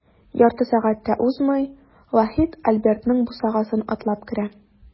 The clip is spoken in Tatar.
Ярты сәгать тә узмый, Вахит Альбертның бусагасын атлап керә.